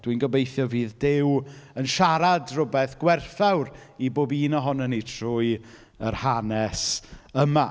Dwi'n gobeithio fydd Duw yn siarad rywbeth gwerthawr i bob un ohonon ni, trwy yr hanes yma.